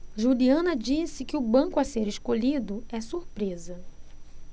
juliana disse que o banco a ser escolhido é surpresa